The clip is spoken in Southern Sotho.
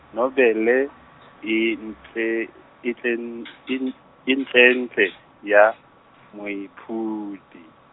nobele e ntle etlen- ent- e ntlentle, ya Moephudi.